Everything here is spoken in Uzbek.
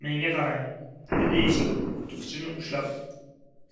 menga qarang dedi eshik tutqichini ushlab